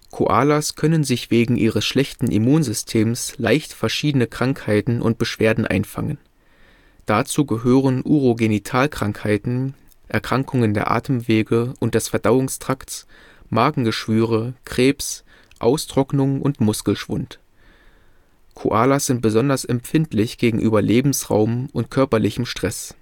Koalas können sich wegen ihres schlechten Immunsystems leicht verschiedene Krankheiten und Beschwerden einfangen. Dazu gehören Urogenital-Krankheiten, Erkrankungen der Atemwege und des Verdauungstrakts, Magengeschwüre, Krebs, Austrocknung und Muskelschwund. Koalas sind besonders empfindlich gegenüber Lebensraum - und körperlichem Stress